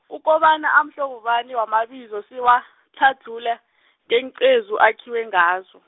ukobana amhlobo bani wamabizo siwatlhadlhula , ngeengcezu akhiwe ngazo.